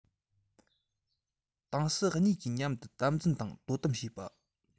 ཏང སྲིད གཉིས ཀྱིས མཉམ དུ དམ འཛིན དང དོ དམ བྱེད པ